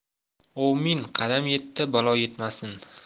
ovmin qadam yettu balo yetmasun